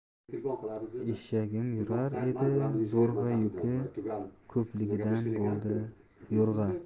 eshagim yurar edi zo'rg'a yuki ko'pligidan bo'ldi yo'rg'a